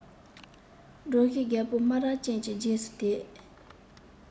སྒྲོག བཞིན རྒད པོ སྨ ར ཅན གྱི རྗེས སུ དེད